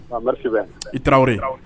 I tarawele ye